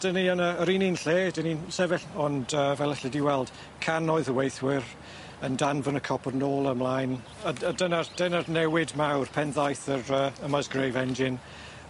'Dyn ni yn yy yr un un lle 'dyn ni'n sefyll ond yy fel alle di weld cannoedd o weithwyr yn danfon y copwr nôl a mlaen a d- a dyna'r dyna'r newid mawr pen ddaeth yr yy y Musgrave engine